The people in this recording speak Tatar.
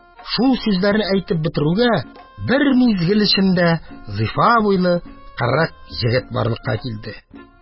Шул сүзләрне әйтеп бетерүгә, бер мизгел эчендә зифа буйлы кырык егет барлыкка килде.